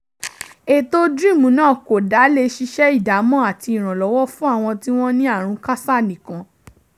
ètò DREAM náà kò dá lé ṣíṣe ìdámọ̀ àti ìrànlọ́wọ́ fún àwọn tí wọ́n ní àrùn KASA nìkan.